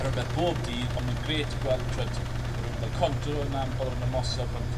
rwbeth bob dydd on' ma'n grêt gweld t'wod bo' rywun fel Contador yna yn bolon ymoso' bod